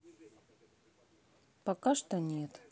пока что нет